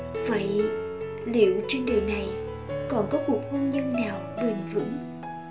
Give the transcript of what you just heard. vậy liệu trên đời này còn có cuộc hôn nhân nào bền vững